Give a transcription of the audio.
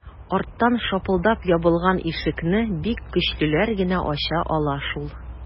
Арттан шапылдап ябылган ишекне бик көчлеләр генә ача ала шул...